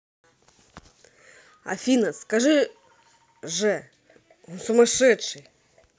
афина скажи же он сумасшедший